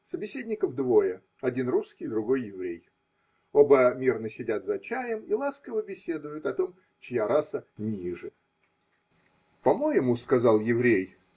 Собеседников двое: один русский, другой еврей: оба мирно сидят за чаем и ласково беседуют о том, чья раса ниже. – По-моему, – сказал еврей.